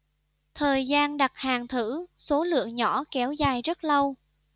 thời gian đặt hàng thử số lượng nhỏ kéo dài rất lâu